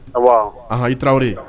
An hayi tarawelewre